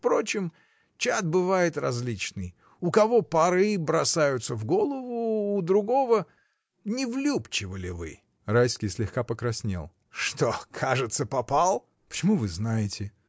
Впрочем, чад бывает различный: у кого пары бросаются в голову, у другого. Не влюбчивы ли вы? Райский слегка покраснел. — Что, кажется, попал? — Почему вы знаете?